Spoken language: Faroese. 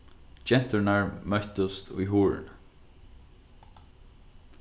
genturnar møttust í hurðini